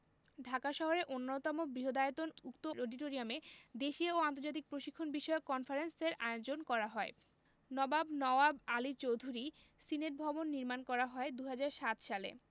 ঢাকা শহরের অন্যতম বৃহদায়তন উক্ত অডিটোরিয়ামে দেশীয় ও আন্তর্জাতিক প্রশিক্ষণ বিষয়ক কনফারেন্সের আয়োজন করা হয় নবাব নওয়াব আলী চৌধুরী সিনেটভবন নির্মাণ করা হয় ২০০৭ সালে